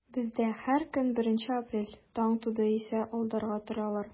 Бездә һәр көн беренче апрель, таң туды исә алдарга торалар.